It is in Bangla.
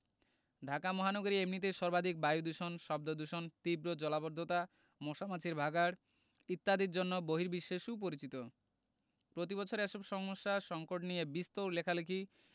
ঢাকা মহানগরী এমনিতেই সর্বাধিক বায়ুদূষণ শব্দদূষণ তীব্র জলাবদ্ধতা মশা মাছির ভাঁগাড় ইত্যাদির জন্য বহির্বিশ্বে সুপরিচিত প্রতিবছর এসব সমস্যা সঙ্কট নিয়ে বিস্তর লেখালেখি